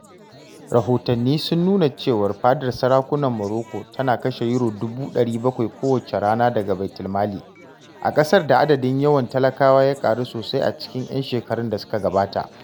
Rahotanni sun nuna cewa fadar sarakunan Morocco tana kashe Euro dubu 700 kowace rana daga baitulmali, a ƙasar da adadin yawan talakawa ya ƙaru sosai a cikin 'yan shekarun da suka gabata.